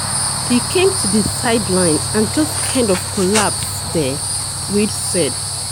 "He came to the sideline and just kind of collapsed there," Reed said.